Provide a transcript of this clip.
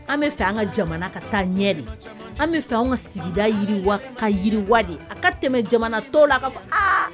An bɛ fɛ an ka jamana ka taa ɲɛ de an bɛ fɛ anw ka sigida yiriwa ka yiriwa de a ka tɛmɛ jamana tɔ la a ka fɔ aa